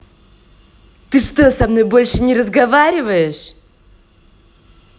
ты что со мной больше разговариваешь